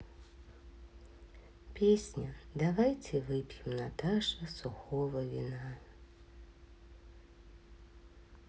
песня давайте выпьем наташа сухого вина